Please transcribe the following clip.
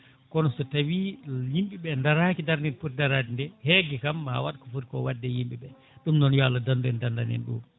kono so tawi yimɓeɓe daraki darde nde pooti darade nde heegue kam ma waat ko foti ko wadde e yimɓeɓe ɗum noon yo Allah dandu en dandana en ɗum